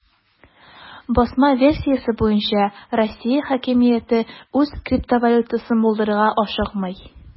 Басма версиясе буенча, Россия хакимияте үз криптовалютасын булдырырга ашыкмый.